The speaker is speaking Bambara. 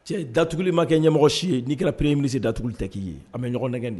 Cɛ datuguli ma kɛ ɲɛmɔgɔ si ye n'i kɛra premier ministre ye datuguli tɛ k'i ye, a bɛ ɲɔgɔn nɛgɛn de.